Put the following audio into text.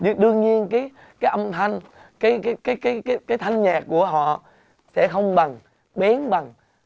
nhưng đương nhiên cái cái âm thanh cái cái cái cái cái thanh nhạc của họ sẽ không bằng bén bằng